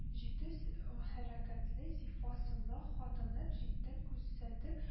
Җитез ы хәрәкәтле, зифа сынлы хатынып җитен күзәтеп